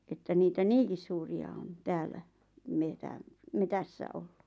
että niitä niinkin suuria on täällä - metsässä ollut